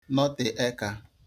notè eka